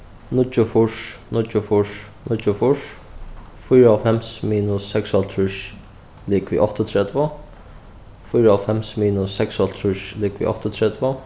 níggjuogfýrs níggjuogfýrs níggjuogfýrs fýraoghálvfems minus seksoghálvtrýss ligvið áttaogtretivu fýraoghálvfems minus seksoghálvtrýss ligvið áttaogtretivu